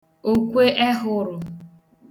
òkwe ẹhụrụ̀